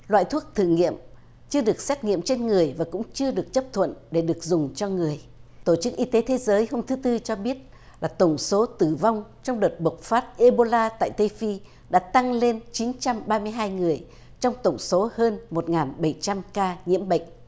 loại thuốc thử nghiệm chưa được xét nghiệm trên người và cũng chưa được chấp thuận để được dùng cho người tổ chức y tế thế giới không thứ tư cho biết là tổng số tử vong trong đợt bùng phát ê bô la tại tây phi đã tăng lên chín trăm ba mươi hai người trong tổng số hơn một ngàn bảy trăm ca nhiễm bệnh